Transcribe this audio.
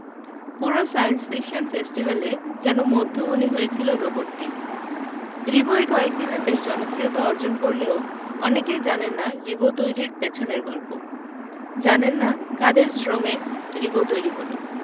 পুরো science fiction ফেস্টিভ্যালে যেন মধ্যমণি হয়েছিল রোবটটি রিবো এই কয়দিনে বেশ জনপ্রিয়তা অর্জন করলেও অনেকেই জানেন না রিবো তৈরির পেছনের গল্প জানেন না কাদের শ্রমে রিবো তৈরি হলো